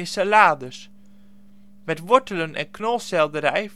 salades. Met wortelen en knolselderij